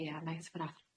Ia nâi atab hwnna.